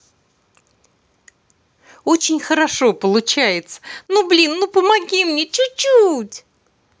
очень хорошо получается ну блин ну помоги мне чуть чуть